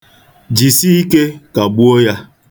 Jisi ike kagbuo ya.